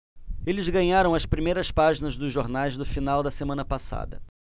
eles ganharam as primeiras páginas dos jornais do final da semana passada